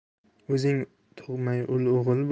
o'zing tug'may ul o'g'il